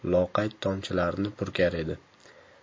loqayd tomchilarini purkar edi